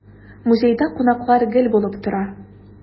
Музейда кунаклар гел булып тора.